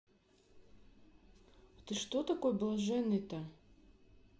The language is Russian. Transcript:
а ты что такой блаженный то